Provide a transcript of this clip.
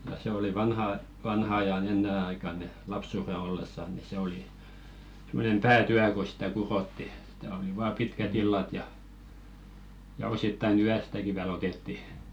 ja se oli vanhan vanhan ajan ennen aikaan niin lapsuuden ollessa niin se oli semmoinen päätyö kun sitä kudottiin sitä oli vain pitkät illat ja ja osittain yöstäkin vielä otettiin